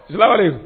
Laban